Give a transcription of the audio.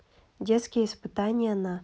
детские испытания на